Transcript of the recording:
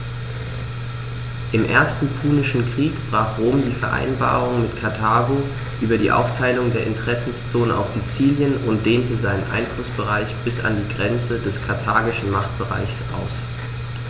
Im Ersten Punischen Krieg brach Rom die Vereinbarung mit Karthago über die Aufteilung der Interessenzonen auf Sizilien und dehnte seinen Einflussbereich bis an die Grenze des karthagischen Machtbereichs aus.